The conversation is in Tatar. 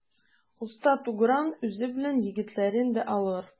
Оста Тугран үзе белән егетләрен дә алыр.